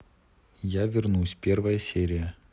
я вернусь первая серия